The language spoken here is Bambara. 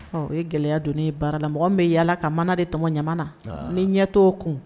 Ɔ o gɛlɛya don baaralamɔgɔ bɛ yalala kamana de tɔgɔ ɲa na ni ɲɛtɔ o kun